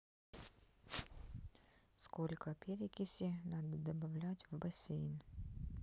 сколько перекиси надо добавлять в бассейн